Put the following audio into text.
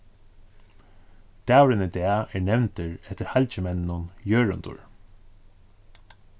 dagurin í dag er nevndur eftir halgimenninum jørundur